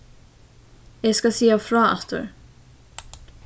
eg skal siga frá aftur